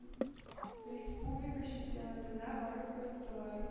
Республика чемпионатына барып кайттылар.